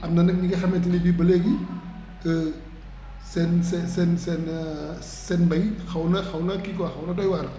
am na nag ñi nga xamante ne bii ba léegi seen seen seen seen mbay xaw na xaw na kii quoi xaw na doy waar